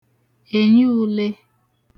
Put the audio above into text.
ènyiūlē